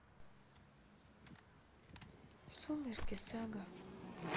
сумерки сага